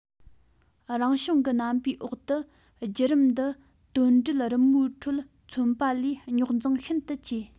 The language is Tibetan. རང བྱུང གི རྣམ པའི འོག ཏུ བརྒྱུད རིམ འདི དོན འགྲེལ རི མོའི ཁྲོད མཚོན པ ལས རྙོག འཛིང ཤིན ཏུ ཆེ